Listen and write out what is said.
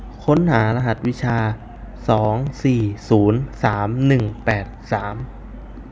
ค้นหารหัสวิชาสองสี่ศูนย์สามหนึ่งแปดสาม